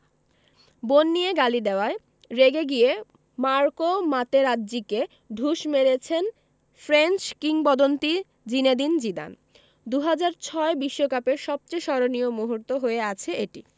বোন নিয়ে গালি দেওয়ায় রেগে গিয়ে মার্কো মাতেরাজ্জিকে ঢুস মেরেছেন ফ্রেঞ্চ কিংবদন্তি জিনেদিন জিদান ২০০৬ বিশ্বকাপের সবচেয়ে স্মরণীয় মুহূর্ত হয়ে আছে এটি